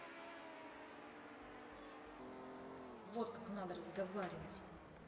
вот как надо разговаривать